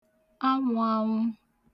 anwụ̄anwụ̄